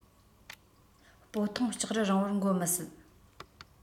སྤོ ཐུང ལྕགས རི རིང བོར འགོད མི སྲིད